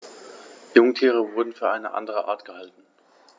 Jungtiere wurden für eine andere Art gehalten.